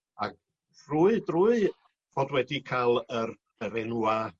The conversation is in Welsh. Ag drwy drwy bod wedi ca'l yr yr enwa'